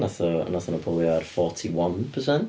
Wnaethon, wnaethon nhw powlio ar forty one percent.